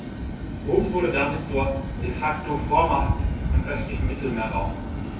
Rom wurde damit zur ‚De-Facto-Vormacht‘ im östlichen Mittelmeerraum.